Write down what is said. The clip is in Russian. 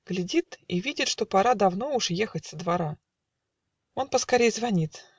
Глядит - и видит, что пора Давно уж ехать со двора. Он поскорей звонит.